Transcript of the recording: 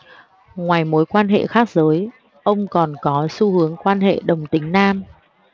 ngoài mối quan hệ khác giới ông còn có xu hướng quan hệ đồng tính nam